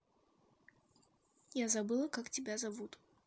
я забыла как тебя зовут